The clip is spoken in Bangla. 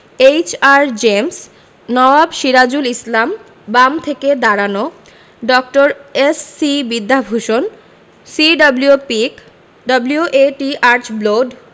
এইচ.আর. জেমস নওয়াব সিরাজুল ইসলাম বাম থেকে দাঁড়ানো ড. S C. Vidyabhushan C W. Peake W A T. Archbold